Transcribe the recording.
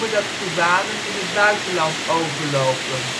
dat Cubanen in het buitenland overlopen